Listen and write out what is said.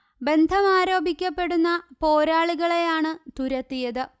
ബന്ധമാരോപിക്കപ്പെടുന്ന പോരാളികളെയാണ് തുരത്തിയത്